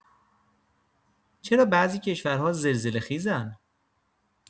چرا بعضی کشورها زلزله‌خیزن؟